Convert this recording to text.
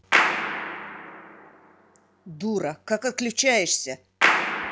дура как отключаешься